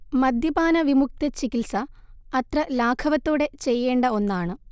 മദ്യപാന വിമുക്തചികിത്സ അത്ര ലാഘവത്തോടെ ചെയ്യേണ്ട ഒന്നാണ്